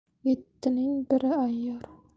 yettining biri ayyor